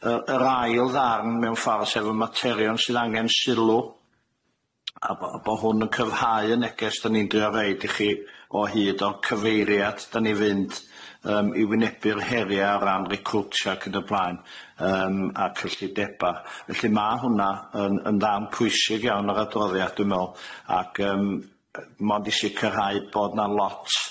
yr yr ail ddarn mewn ffordd sef y materion sydd angen sylw, a bo' a bo' hwn yn cyfhau y neges 'dan ni'n drio'i roid i chi o hyd o'r cyfeiriad 'dan ni'n fynd yym i wynebu'r heria' o ran recriwtio ac yn y blaen yym a cyllideba felly ma' hwnna yn yn ddarn pwysig iawn o'r adroddiad dwi'n me'wl ac yym yy mond i sicrhau bod 'na lot,